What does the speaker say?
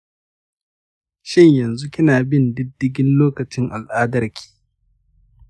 shin yanzu kina bin diddigin lokacin al'adarki?